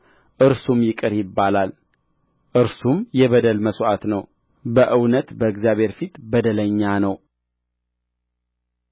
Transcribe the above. እርሱም ይቅር ይባላልእርሱም የበደል መሥዋዕት ነው በእውነት በእግዚአብሔር ፊት በደለኛ ነው